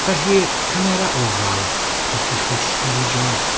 Felly, cymera ofal wrth i chi troedio...